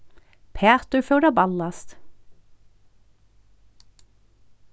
pætur fór at ballast